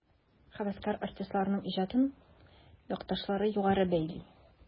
Һәвәскәр артистларның иҗатын якташлары югары бәяли.